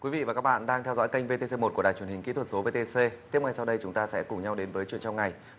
quý vị và các bạn đang theo dõi kênh vê tê xê một của đài truyền hình kỹ thuật số vê tê xê tiếp ngay sau đây chúng ta sẽ cùng nhau đến với chuyện trong ngày